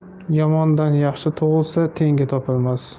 yomondan yaxshi tug'ilsa tengi topilmas